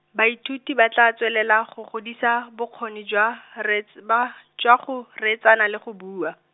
baithuti ba tla tswelela go godisa bokgoni jwa, rets-, ba, jwa go, reetsana le go bua.